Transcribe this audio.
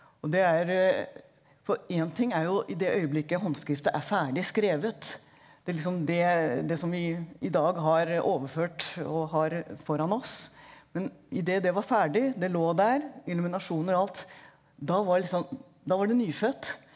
og det er for én ting er jo i det øyeblikket håndskriftet er ferdig skrevet det liksom det det som vi i dag har overført og har foran oss men i det det var ferdig det lå der illuminasjoner og alt da var liksom da var det nyfødt.